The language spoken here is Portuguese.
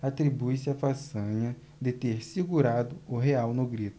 atribuiu-se a façanha de ter segurado o real no grito